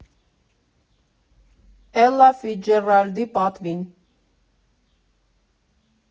Էլլա Ֆիցջերալդի պատվին։